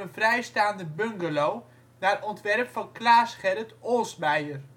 vrijstaande bungalow naar ontwerp van Klaas Gerrit Olsmeijer